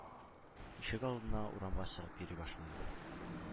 Ишегалдына, урамга чыгып йөри башлый.